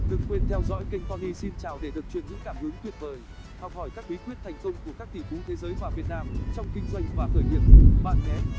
đừng quên theo dõi kênh tony xin chào để được truyền những cảm hứng tuyệt vời học hỏi các bí quyết thành công của các tỷ phú thế giới và việt nam trong kinh doanh và khởi nghiệp bạn nhé